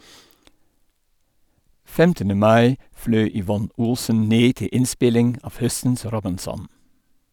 15. mai fløy Yvonne Olsen ned til innspilling av høstens "Robinson".